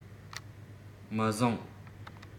མི བཟང